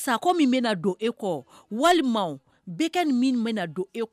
Sakɔ min bɛ don e kɔ walima bɛɛkɛ ni min bɛ don e kɔ